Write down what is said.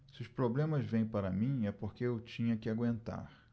se os problemas vêm para mim é porque eu tinha que aguentar